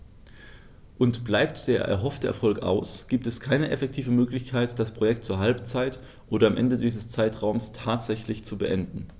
Und bleibt der erhoffte Erfolg aus, gibt es keine effektive Möglichkeit, das Projekt zur Halbzeit oder am Ende dieses Zeitraums tatsächlich zu beenden.